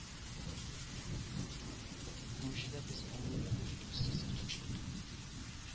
Укымыйчы да без аңлый белдек кайсы сафта торып